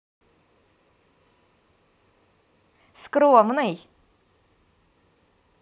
скромный